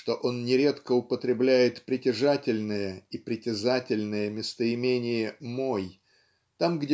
что он нередко употребляет притяжательное и притязательное местоимение мой там